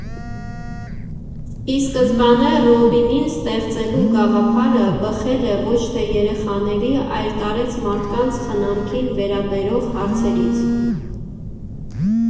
Ի սկզբանե Ռոբինին ստեղծելու գաղափարը բխել է ոչ թե երեխաների, այլ տարեց մարդկանց խնամքին վերաբերող հարցերից։